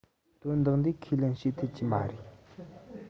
དོན དག འདི ཁས ལེན བྱེད ཐུབ ཀྱི མ རེད